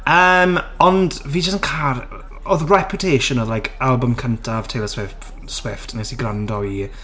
Yym, ond fi jyst yn car... yy oedd 'Reputation' oedd like albwm cyntaf Taylor Swipf- Swift wnes i gwrando i...